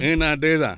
un an deux ans